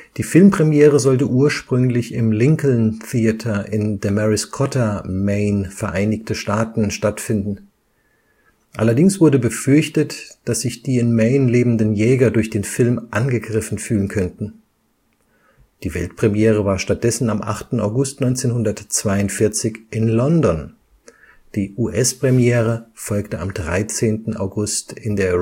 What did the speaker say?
Die Filmpremiere sollte ursprünglich im Lincoln-Theater in Damariscotta, Maine, Vereinigte Staaten stattfinden. Allerdings wurde befürchtet, dass sich die in Maine lebenden Jäger durch den Film angegriffen fühlen könnten. Die Weltpremiere war stattdessen am 8. August 1942 in London, die US-Premiere folgte am 13. August in der